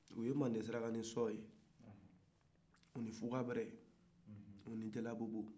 u ye mande saraka ni sɔ ye ani fuga bɛrɛ ani jalabobo